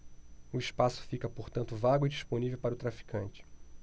o espaço fica portanto vago e disponível para o traficante